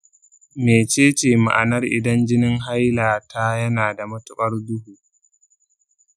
mece ce ma'anar idan jinin hailata yana da matuƙar duhu?